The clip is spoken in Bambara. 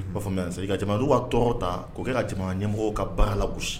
O'a fɔse ka jamanaba tɔ ta k'o kɛ ka jama ɲɛmɔgɔ ka baara la gosi